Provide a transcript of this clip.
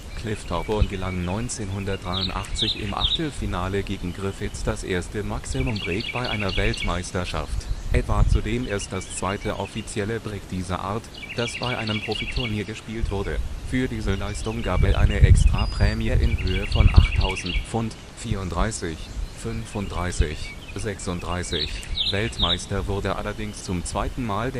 Cliff Thorburn gelang 1983 im Achtelfinale gegen Griffiths das erste Maximum Break bei einer Weltmeisterschaft. Es war zudem erst das zweite offizielle Break dieser Art, das bei einem Profiturnier gespielt wurde. Für diese Leistung gab es eine Extraprämie in Höhe von 8.000 £. Weltmeister wurde allerdings zum zweiten Mal